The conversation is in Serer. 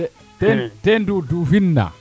te nduuduufin na